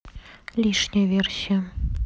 лишняя версия